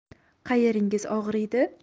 qayeringiz og'riydi